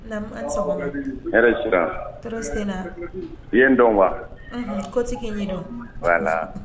Lamɔ ani sɔgɔma. hɛrɛ sira. tɔɔrɔ ten na. i ye n dɔn wa? Unhun kotigi ɲ'i don. waalaa